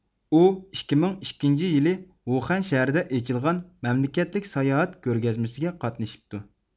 ئۇ ئىككى مىڭ ئىككىنچى يىلى ۋۇخەن شەھىرىدە ئېچىلغان مەملىكەتلىك ساياھەت كۆرگەزمىسىگە قاتنىشىپتۇ